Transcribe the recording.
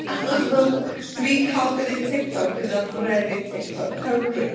Achos fel dwi'n cael gwneud TikTok gyda Brenin TikTok Cymru.